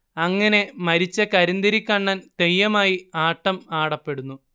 അങ്ങനെ മരിച്ച കരിന്തിരി കണ്ണൻ തെയ്യമായി ആട്ടം ആടപ്പെടുന്നു